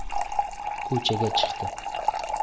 ko'chaga chiqdi